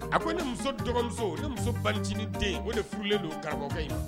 A ko ne muso dɔgɔmuso ne muso balicinin den o de furulen don karamɔgɔ in